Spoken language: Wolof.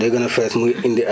day gën a fees